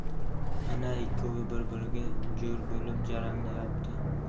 ana ikkovi bir biriga jo'r bo'lib jaranglayapti